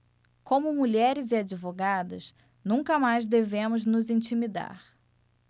como mulheres e advogadas nunca mais devemos nos intimidar